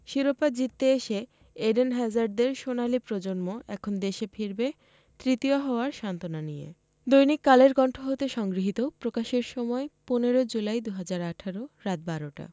শিরোপা জিততে এসে এডেন হ্যাজার্ডদের সোনালি প্রজন্ম এখন দেশে ফিরবে তৃতীয় হওয়ার সান্ত্বনা নিয়ে দৈনিক কালের কন্ঠ হতে সংগৃহীত প্রকাশের সময় ১৫ জুলাই ২০১৮ রাত ১২টা